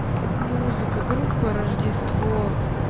музыка группа рождество